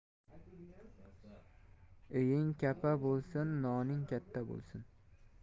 uying kapa bo'lsin noning katta bo'lsin